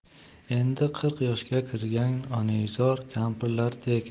endi qirq yoshga kirgan onaizor kampirlardek